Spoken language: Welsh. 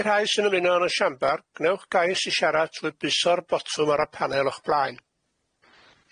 I'r rhai sy'n ymuno yn y siambar, g'newch gais i siarad trwy bwyso'r botwm ar y panel o'ch blaen.